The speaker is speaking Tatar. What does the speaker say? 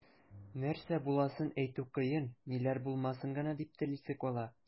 Нәрсә буласын әйтү кыен, ниләр булмасын гына дип телисе кала.